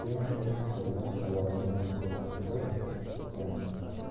fikrlar xayolimdan ko'tarilib ketgandi